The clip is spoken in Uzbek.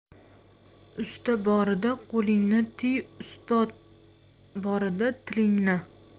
usta borida qo'lingni tiy ustod borida tllingni